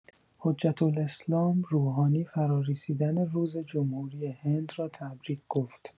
حجت‌الاسلام روحانی فرارسیدن روز جمهوری هند را تبریک گفت.